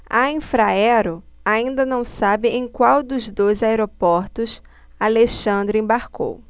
a infraero ainda não sabe em qual dos dois aeroportos alexandre embarcou